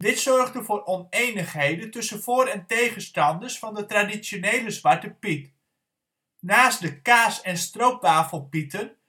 zorgde voor onenigheden tussen voor - en tegenstanders van de traditionele Zwarte Piet. Naast de ' Kaas - en Stroopwafelpieten